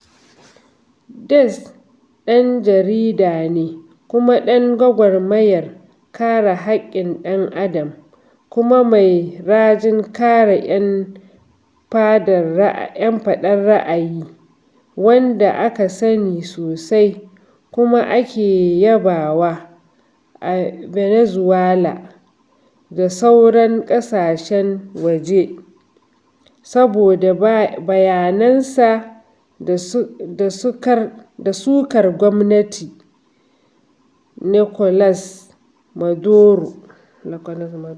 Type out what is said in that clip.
Diaz ɗan jarida ne kuma ɗan gwagwarmayar kare haƙƙin ɗan'adam kuma mai rajin kare 'yan faɗar ra'ayi wanda aka sani sosai kuma ake yabawa a ɓenezuela da sauran ƙasashen waje saboda bayanansa da sukar gwamnatin Nicolas Maduro.